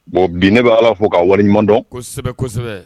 Bon bi ne b bɛ ala fo k ka waleɲumandɔn kosɛbɛ